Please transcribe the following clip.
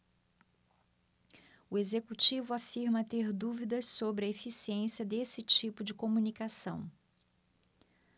o executivo afirma ter dúvidas sobre a eficiência desse tipo de comunicação